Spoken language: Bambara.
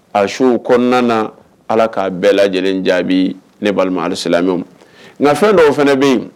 A su kɔnɔna ala k'a bɛɛ lajɛlen jaabi ne balima alisala nka fɛn dɔw o fana bɛ yen